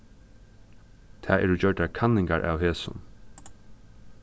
tað eru gjørdar kanningar av hesum